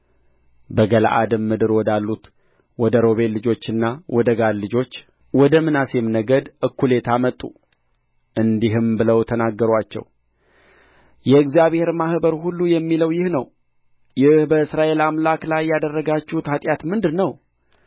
በገለዓድም ምድር ወዳሉት ወደ ሮቤል ልጆችና ወደ ጋድ ልጆች ወደ ምናሴም ነገድ እኩሌታ መጡ እንዲህም ብለው ተናገሩአቸው የእግዚአብሔር ማኅበር ሁሉ የሚለው ይህ ነው ይህ በእስራኤል አምላክ ላይ ያደረጋችሁት ኃጢአት ምንድር ነው